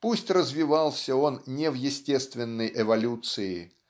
пусть развивался он не в естественной эволюции